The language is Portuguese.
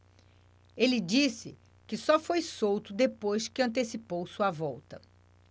ele disse que só foi solto depois que antecipou sua volta